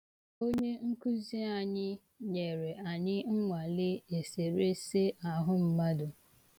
Onye nkuzi anyị nyere anyị nnwale eserese ahụ mmadụ.